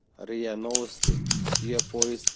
ria novosti tuya poyezd